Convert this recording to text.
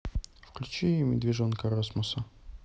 включи медвежонка расмуса